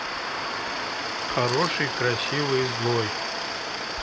хороший красивый злой